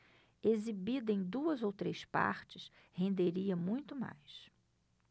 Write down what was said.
exibida em duas ou três partes renderia muito mais